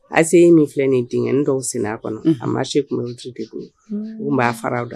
Ase ye min filɛ nin denkɛ n dɔw sen a kɔnɔ a ma se kun ji de bolo u b'a fararaw da